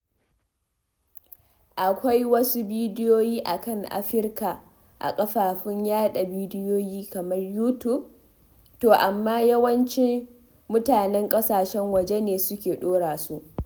Akwai wasu bidiyoyin a kan Afirka a kafofin yaɗa bidiyoyi kamar YouTube, to amma yawanci mutanen ƙasashen waje ne suke ɗora su.